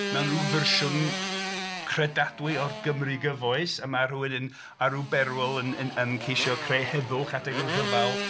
..mewn rhyw fersiwn credadwy o'r Gymru gyfoes a mae rhywun yn... ar ryw berwyl yn... yn... yn ceisio creu heddwch adeg ryw rhyfel...